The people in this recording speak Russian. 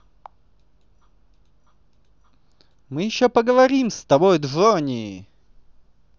мы еще поговорим с тобой джонни